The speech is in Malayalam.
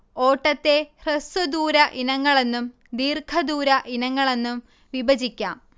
ഓട്ടത്തെ ഹ്രസ്വ ദൂര ഇനങ്ങളെന്നും ദീർഘദൂര ഇനങ്ങളെന്നും വിഭജിക്കാം